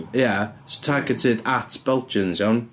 Ie so targeted at Belgians, iawn.